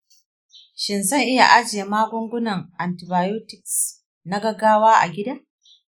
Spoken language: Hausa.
shin zan iya ajiye magungunan antibiotics na gaggawa a gida?